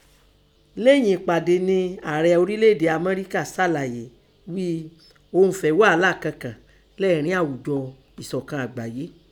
Léyìn ẹ̀pàdé nẹ ààrẹ ọrílẹ̀ èdè Amọ́ríkà sàlàyé íi òun ùn fẹ́ wàhálà kankàn lẹ́ẹ̀ríín àùjọ ẹ̀ṣọ̀kan àgbáyé.